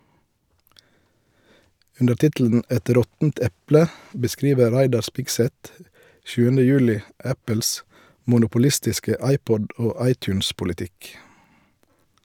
Under tittelen "Et råttent eple" beskriver Reidar Spigseth 7. juli Apples monopolistiske iPod- og iTunes-politikk.